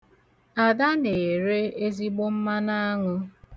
Ada na-ere ezigbo mmanụaṅụ.